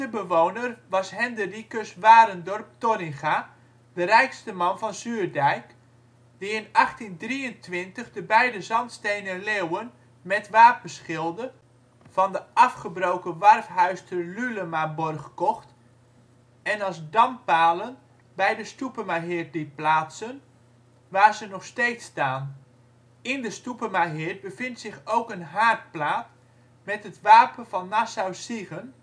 bewoner was Hendericus Warendorp Torringa, de rijkste man van Zuurdijk, die in 1823 de beide zandstenen leeuwen met wapenschilden van de afgebroken Warfhuister Lulemaborg kocht en als dampalen bij de Stoepemaheerd liet plaatsen, waar ze nog steeds staan. In de Stoepemaheerd bevindt zich ook een haardplaat met het wapen van Nassau-Siegen